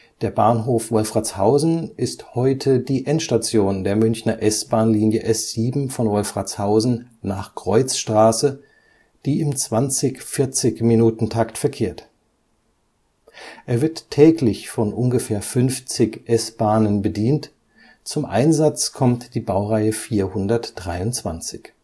Der Bahnhof Wolfratshausen ist heute die Endstation der Münchner S-Bahn-Linie S7 von Wolfratshausen nach Kreuzstraße, die im 20/40-Minuten-Takt verkehrt. Er wird täglich von ungefähr 50 S-Bahnen bedient, zum Einsatz kommt die Baureihe 423